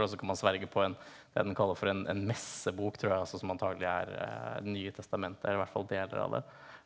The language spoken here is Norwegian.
og så kan man sverge på en det den kaller for en en messebok tror jeg også som antagelig er det nye testamentet eller i hvert fall deler av det.